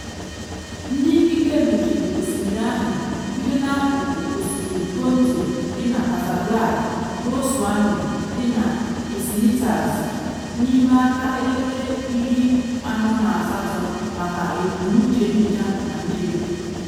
Ndị ikike mechiri osimiri ahụ bido na Akụkụ Osimiri Ponto dị na Casablad ruo Swami dị na Ecinitas n’ime aka elekere 48 maka ebumnuche nnyocha na nchedo.